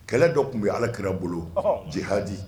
Kɛlɛ dɔ tun bɛ Ala kira bolo jihadi